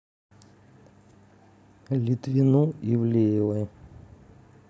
литвину ивлеевой